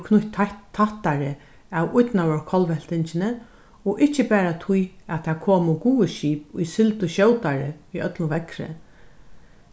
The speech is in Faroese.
tættari av ídnaðarkollveltingini og ikki bara tí at tað komu guvuskip ið sigldu skjótari í øllum veðri